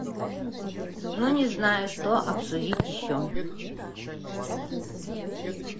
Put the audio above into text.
ну не знаю что обсудить еще